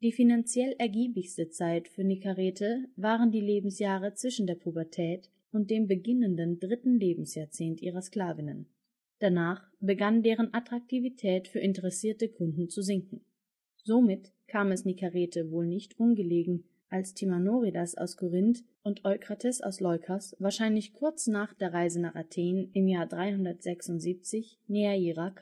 finanziell ergiebigste Zeit für Nikarete waren die Lebensjahre zwischen der Pubertät und dem beginnenden dritten Lebensjahrzehnt ihrer Sklavinnen, danach begann deren Attraktivität für interessierte Kunden zu sinken. Somit kam es Nikarete wohl nicht ungelegen, als Timanoridas aus Korinth und Eukrates aus Leukas wahrscheinlich kurz nach der Reise nach Athen im Jahr 376 Neaira